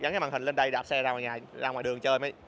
gắn cái màn hình lên đây đạp xe ra ngoài đường chơi